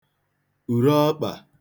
ùreọkpā